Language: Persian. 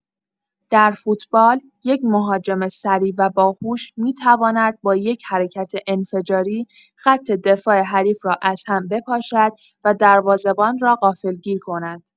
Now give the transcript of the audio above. در فوتبال، یک مهاجم سریع و باهوش می‌تواند با یک حرکت انفجاری، خط دفاع حریف را از هم بپاشد و دروازه‌بان را غافلگیر کند.